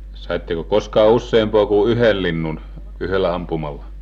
saitteko koskaan useampaa kuin yhden linnun yhdellä ampumalla